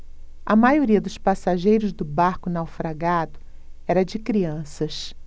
a maioria dos passageiros do barco naufragado era de crianças